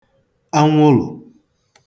anwụ̀lụ̀